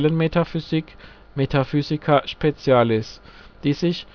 Metaphysik (metaphysica specialis), die sich